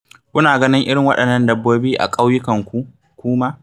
Kuna ganin irin waɗannan dabbobin a ƙauyukanku?, kuma